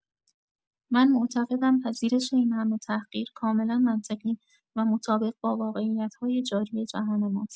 من معتقدم پذیرش این همه تحقیر کاملا منطقی و مطابق با واقعیت‌های جاری جهان ماست.